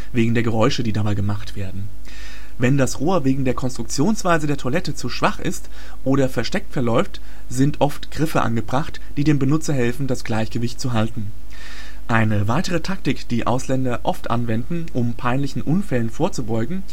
wegen der Geräusche, die dabei gemacht werden. Wenn das Rohr wegen der Konstruktionsweise der Toilette zu schwach ist oder versteckt verläuft, sind oft Griffe angebracht, die dem Benutzer helfen, das Gleichgewicht zu halten. Eine weitere Taktik, die Ausländer oft anwenden, um peinlichen Unfällen vorzubeugen